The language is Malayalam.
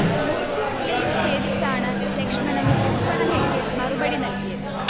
മൂക്കും മുലയും ച്ഛേദിച്ചാണ് ലക്ഷ്മണൻ ശൂർപണഖയ്ക്ക് മറുപടി നൽകിയത്